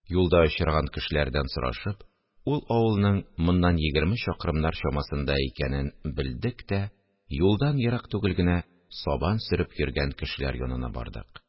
Юлда очраган кешеләрдән сорашып, ул авылның моннан егерме чакрымнар чамасында икәнен белдек тә юлдан ерак түгел генә сабан сөреп йөргән кешеләр янына бардык